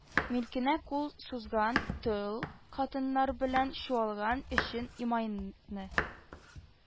Милкенә кул сузган, тол хатыннар белән чуалган өчен имайны